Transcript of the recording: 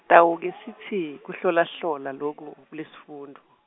-tawuke sitsi, kuhlolahlola loku, kulesifundvo.